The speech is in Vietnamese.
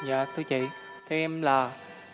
dạ thưa chị theo em là